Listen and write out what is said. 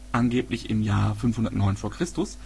angeblich im Jahr 509 v. Chr.